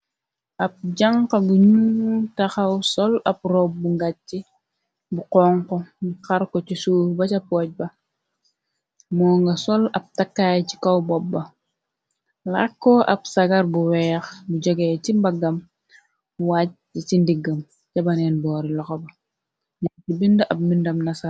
Ahb janha bu njull takhaw sol ahb rohbu bu ngaanchi bu honku, nju hahrre kor chi suff ba cha poj ba, mohnga sol ahb taakaii chi kaw bopu ba, raakoh ak sahgarr bu wekh, bu jehgeh chi mbagam mu waajh cii ndigam, beh benen bohrri lokhor ba, njung fii binda ahb bindan nasar...